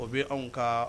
O bɛ anw ka